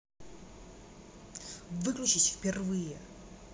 выключись впервые